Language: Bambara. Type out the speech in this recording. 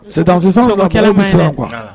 Muso ko kɛlɛ man ɲi dɛ.